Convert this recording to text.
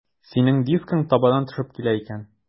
Синең дискың табадан төшеп килә икән.